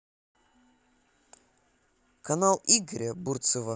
канал игоря бурцева